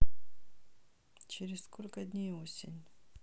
через сколько дней осень